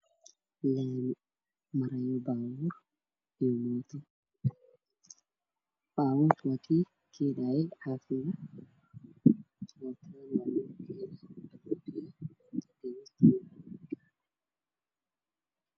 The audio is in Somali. Waa laami maraayo baabuur cadaan bajaaj jiinkad buluug ayaa geeska oo taalla oo bacweyne ah